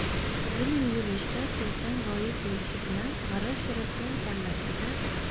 zil muyulishda ko'zdan g'oyib bo'lishi bilan g'ira shira tong pallasida